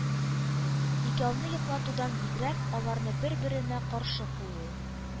Икәүне йоклатудан бигрәк, аларны бер-беренә каршы кую,